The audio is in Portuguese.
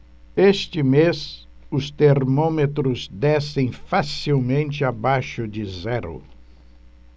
este mês os termômetros descem facilmente abaixo de zero